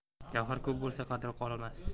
gavhar ko'p bo'lsa qadri qolmas